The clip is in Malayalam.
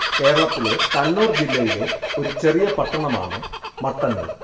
കേരളത്തിലെ കണ്ണൂര്‍ ജില്ലയിലെ ഒരു ചെറിയ പട്ടണമാണ് മട്ടന്നൂര്‍